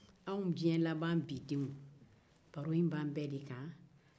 anw diɲɛlaban bidenw baro in b'an bɛɛ de kan